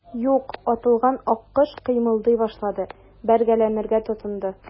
Юк, атылган аккош кыймылдый башлады, бәргәләнергә тотынды.